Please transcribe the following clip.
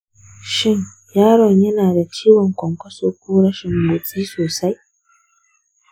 shin yaron yana da ciwon kwankwaso ko rashin motsi sosai?